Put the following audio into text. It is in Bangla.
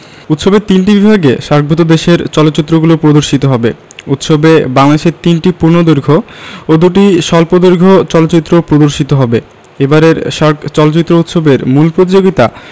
উৎসবের তিনটি বিভাগে সার্কভুক্ত দেশের চলচ্চিত্রগুলো প্রদর্শিত হবে উৎসবে বাংলাদেশের ৩টি পূর্ণদৈর্ঘ্য ও ২টি স্বল্পদৈর্ঘ্য চলচ্চিত্র প্রদর্শিত হবে এবারের সার্ক চলচ্চিত্র উৎসবের মূল প্রতিযোগিতা